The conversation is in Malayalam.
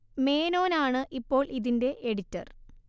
മേനോൻ ആണ് ഇപ്പോൾ ഇതിന്റെ എഡിറ്റർ